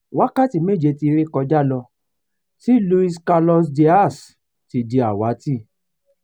Wákàtí méje ti ré kọjá lọ tí Luis Carlos Díaz ti di àwátì.